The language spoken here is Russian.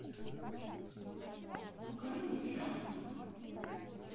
покажи участок